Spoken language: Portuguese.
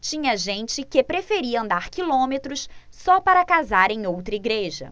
tinha gente que preferia andar quilômetros só para casar em outra igreja